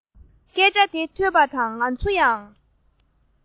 སྐད ཆ དེ ཐོས པ དང ང ཚོ ཡང